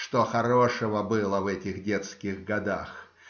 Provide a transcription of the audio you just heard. Что хорошего было в этих детских годах?